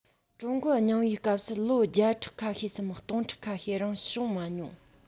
ཀྲུང གོ རྙིང པའི སྐབས སུ ལོ བརྒྱ ཕྲག ཁ ཤས སམ སྟོང ཕྲག ཁ ཤས རིང བྱུང མ མྱོང